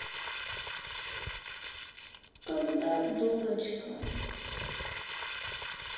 когда дурочка